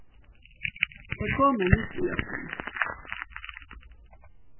tey komu mitt í øllum